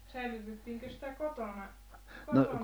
säilytettiinkö sitä kotona kotona